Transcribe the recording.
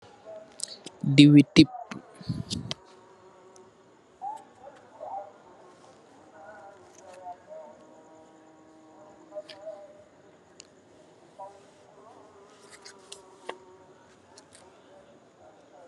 Diwwee tip la